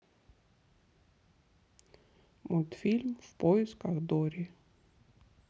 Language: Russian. мультфильм в поисках дори